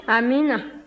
amiina